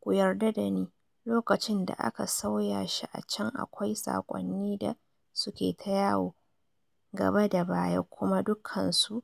Ku yarda da ni, lokacin da aka sauya shi a can akwai sakonni da suke ta yawo gaba da baya kuma dukansu